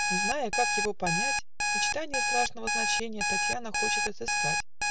Не зная, как его понять, Мечтанья страшного значенье Татьяна хочет отыскать.